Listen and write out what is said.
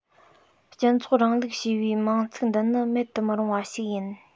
སྤྱི ཚོགས རིང ལུགས ཞེས པའི མིང ཚིག འདི ནི མེད དུ མི རུང བ ཞིག ཡིན